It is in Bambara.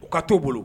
U ka t' u bolo